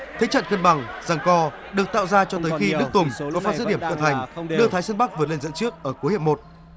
thế trận cân bằng giằng co được tạo ra cho tới khi đức tùng có pha dứt điểm cận thành đưa thái sơn bắc vượt lên dẫn trước ở cuối hiệp một